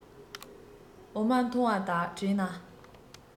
འོ མ འཐུང བ དག དྲན ན